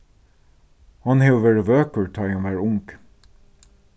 hon hevur verið vøkur tá ið hon var ung